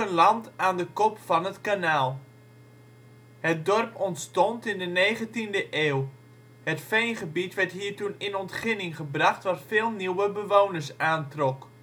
land aan de kop van het kanaal. Het dorp ontstond in de negentiende eeuw. Het veengebied werd hier toen in ontginning gebracht wat veel nieuwe bewoners aantrok